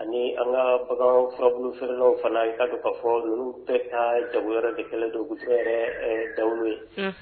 Ani an ka bagan farabu fɛrɛlaw fana kaa don k kaa fɔ n bɛ ka jago wɛrɛ kɛ kɛlɛ donfɛ da ye